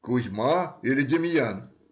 — Кузьма или Демьян?